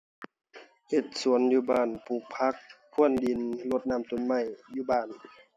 เฮ็ดสวนอยู่บ้าน ปลูกผัก พรวนดิน รดน้ำต้นไม้อยู่บ้าน